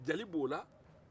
jeli b'o la